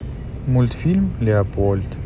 мультфильм леопольд